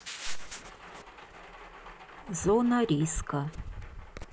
зона риска